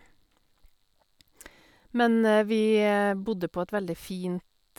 Men vi bodde på et veldig fint...